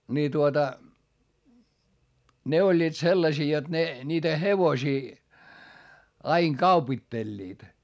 niin tuota ne olivat sellaisia jotta ne niitä hevosia aina kaupittelivat